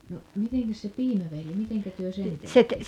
no mitenkäs se piimävelli miten te sen teitte